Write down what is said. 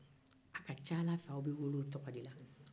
a ka ca ala fɛ aw bɛ weele o tɔgɔ de la